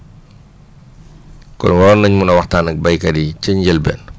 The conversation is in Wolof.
kon waroon nañ mun a waxtaan ak béykat yi ca njëlbéen